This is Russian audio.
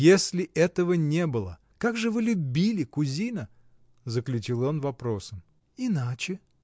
— Если этого не было, как же вы любили, кузина? — заключил он вопросом. — Иначе.